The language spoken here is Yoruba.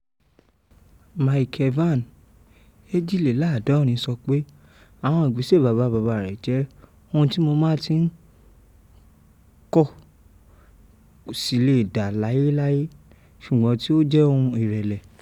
Michael Vann, 72, sọ pé àwọn ìgbéṣẹ̀ bàbà bàbà rẹ̀ jẹ́ “ohun tí mo ma tí ń kóm sì le dà láyé ṣùgbọ́n tí ó jẹ́ ohun ìrẹ̀lẹ.̀”